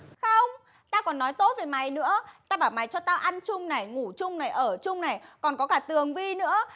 không tao còn nói tốt về mày nữa tao bảo mày cho tao ăn chung này ngủ chung này ở chung này còn có cả tường vy nữa